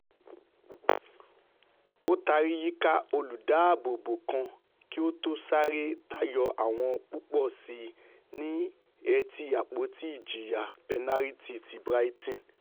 Ó taari yíka olùdáààbòbò kan kí ó tó sáré tayọ àwọn pupọ síi ni etí ̀apoti ìjìyà pẹnariti ti Brighton.